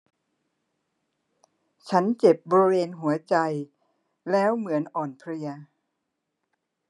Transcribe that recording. ฉันเจ็บบริเวณหัวใจแล้วเหมือนอ่อนเพลีย